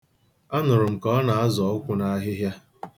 Anụrụ m ka ọ na-azọ ụkwụ n'ahịhịa.